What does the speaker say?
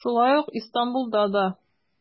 Шулай ук Истанбулда да.